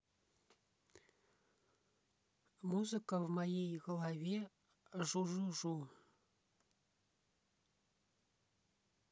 музыка в моей голове жужужу